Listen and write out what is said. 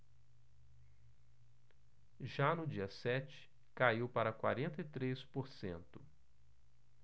já no dia sete caiu para quarenta e três por cento